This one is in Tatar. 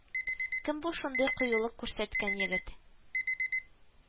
Кем бу шундый кыюлык күрсәткән егет